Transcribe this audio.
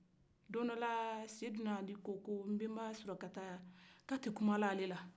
don dɔla seidina ali ko nbenba sulakata a tɛ kula ale la